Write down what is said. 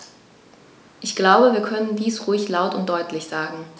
Ich glaube, wir können dies ruhig laut und deutlich sagen.